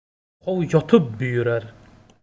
yalqov yotib buyurar